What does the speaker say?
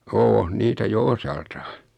on niitä jo osaltaan